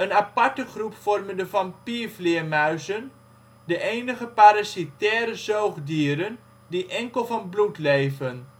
aparte groep vormen de vampiervleermuizen, de enige parasitaire zoogdieren, die enkel van bloed leven. De tweede